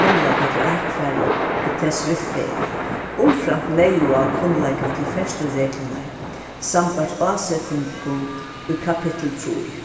kunnleika til akfarið og tess viðferð umframt neyðugan kunnleika til ferðslureglurnar sambært ásetingum í kapittul trý